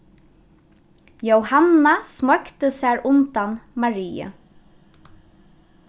jóhanna smoygdi sær undan mariu